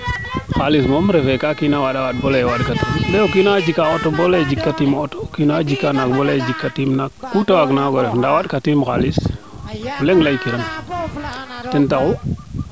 xalis moom refe kaa kina waanda waand bata bo leye wand ka ti num o kiino wa jika o auto bo leye jika tinum jiga naak bo leye jika tiim naak kute waag na waago ref ndaa wand ka tiim xalis o leŋ leykiran ten taxu